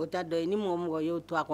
O t'a dɔ ye ni mɔgɔ o mɔgɔ y'o to a kɔnɔ